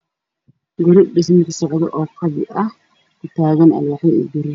Guri dhismihiisa socdo oo qabyo ah ka tagan alwaaxyo iyo biro